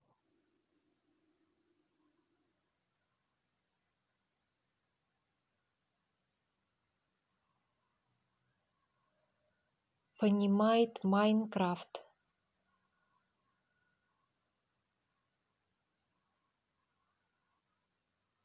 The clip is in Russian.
понимает minecraft